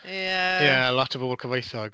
Ie... Ie, lot o bobl cyfoethog.